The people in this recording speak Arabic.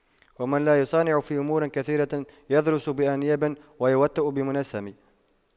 ومن لا يصانع في أمور كثيرة يضرس بأنياب ويوطأ بمنسم